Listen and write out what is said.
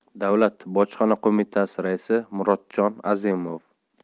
davlat bojxona qo'mitasi raisi murotjon azimov